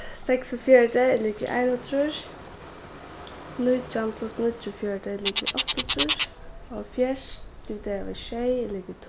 seksogfjøruti er ligvið einogtrýss nítjan pluss níggjuogfjøruti er ligvið áttaogtrýss hálvfjerðs dividerað við sjey er ligvið